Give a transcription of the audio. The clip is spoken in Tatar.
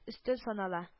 Өстен санала. м